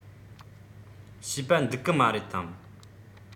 བྱིས པ སྡིག གི མ རེད དམ